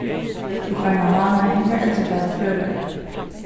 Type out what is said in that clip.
í farna mánaði var eldradagur á tvøroyri